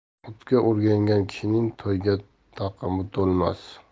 otga o'igangan kishining toyga taqimi to'lmas